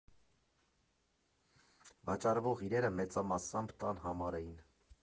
Վաճառվող իրերը մեծամասամբ տան համար էին.